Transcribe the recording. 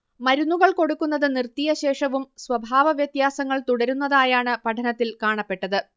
മരുന്നുകൾ കൊടുക്കുന്നത് നിർത്തിയശേഷവും സ്വഭാവവ്യത്യാസങ്ങൾ തുടരുന്നതായാണ് പഠനത്തിൽ കാണപ്പെട്ടത്